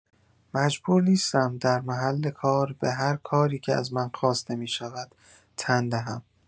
مجبور نیستم، در محل کار به هر کاری که از من خواسته می‌شود تن دهم.